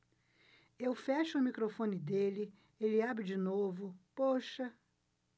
eu fecho o microfone dele ele abre de novo poxa